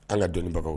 An ka dɔnnibagaw